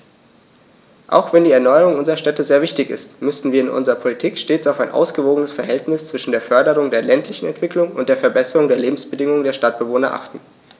Auch wenn die Erneuerung unserer Städte sehr wichtig ist, müssen wir in unserer Politik stets auf ein ausgewogenes Verhältnis zwischen der Förderung der ländlichen Entwicklung und der Verbesserung der Lebensbedingungen der Stadtbewohner achten.